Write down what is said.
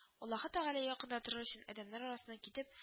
Аллаһы тәгаләгә якын торыр өчен адәмнәр арасыннан китеп